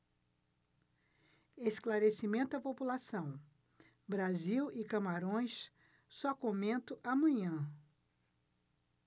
esclarecimento à população brasil e camarões só comento amanhã